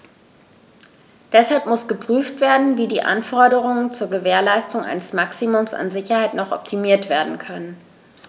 Deshalb muss geprüft werden, wie die Anforderungen zur Gewährleistung eines Maximums an Sicherheit noch optimiert werden können.